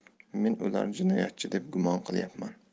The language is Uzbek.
men ularni jinoyatchi deb gumon qilyapman